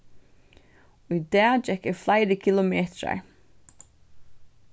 í dag gekk eg fleiri kilometrar